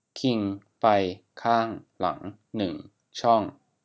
คิงไปข้างหลังหนึ่งช่อง